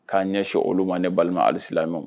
K'an ɲɛ so olu ma ne balima halisi ma